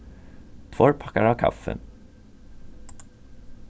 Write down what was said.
tveir pakkar av kaffi